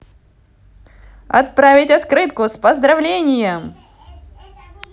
отправить открытку с поздравлением